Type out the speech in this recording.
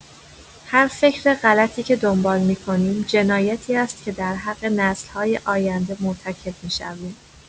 هر فکر غلطی که دنبال می‌کنیم، جنایتی است که در حق نسل‌های آینده مرتکب می‌شویم.